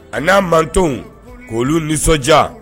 A n'a man k'olu nisɔndiya